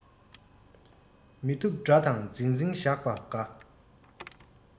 མི ཐུབ དགྲ དང འཛིང འཛིང བཞག པ དགའ